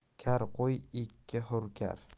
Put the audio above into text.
kar qo'y ikki hurkar